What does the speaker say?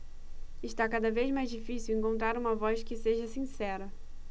está cada vez mais difícil encontrar uma voz que seja sincera